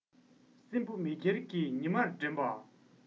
སྲིན བུ མེ ཁྱེར གྱིས ཉི མར འགྲན པ དང